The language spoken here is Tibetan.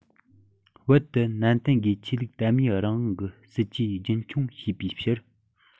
བོད དུ ནན ཏན སྒོས ཆོས ལུགས དད མོས རང དབང གི སྲིད ཇུས རྒྱུན འཁྱོངས བྱས པའི ཕྱིར